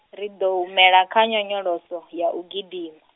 ri ḓo humela kha nyonyoloso, ya u gidima.